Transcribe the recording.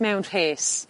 mewn rhes